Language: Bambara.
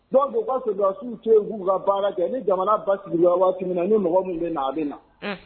Donc u ka sɔrdasiw to ye u k'u ka baara kɛ ni jamana basigila waati minna ni mɔgɔ mun bɛ na a bɛ na unhun